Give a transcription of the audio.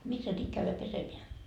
missä nyt käydä pesemään